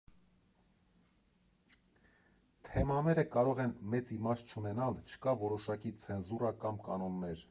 Թեմաները կարող են մեծ իմաստ չունենալ, չկա որոշակի ցենզուրա կամ կանոններ։